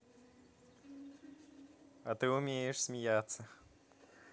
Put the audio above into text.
а ты умеешь смеяться